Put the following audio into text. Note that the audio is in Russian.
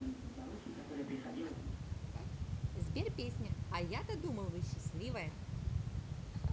сбер песня а я то думал вы счастливая